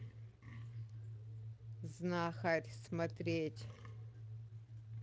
знахарь смотреть